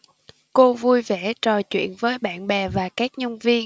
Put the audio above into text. cô vui vẻ trò chuyện với bạn bè và các nhân viên